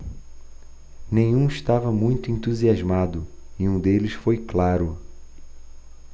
nenhum estava muito entusiasmado e um deles foi claro